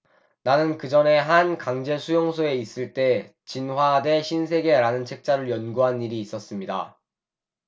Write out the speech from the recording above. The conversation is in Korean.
나는 그전에 한 강제 수용소에 있을 때 진화 대 신세계 라는 책자를 연구한 일이 있었습니다